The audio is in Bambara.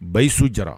Bayi su jara